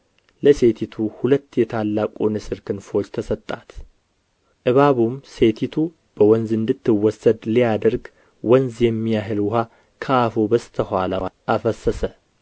ለሴቲቱ ሁለት የታላቁ ንሥር ክንፎች ተሰጣት እባቡም ሴቲቱ በወንዝ እንድትወሰድ ሊያደርግ ወንዝ የሚያህልን ውኃ ከአፉ በስተ ኋላዋ አፈሰሰ